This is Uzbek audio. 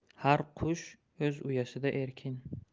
har qush o'z uyasida erkin